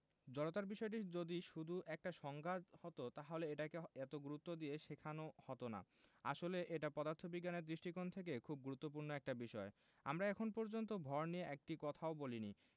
জড়তার বিষয়টি যদি শুধু একটা সংজ্ঞা হতো তাহলে এটাকে এত গুরুত্ব দিয়ে শেখানো হতো না আসলে এটা পদার্থবিজ্ঞানের দৃষ্টিকোণ থেকে খুব গুরুত্বপূর্ণ একটা বিষয় আমরা এখন পর্যন্ত ভর নিয়ে একটি কথাও বলিনি